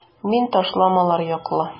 Мин ташламалар яклы.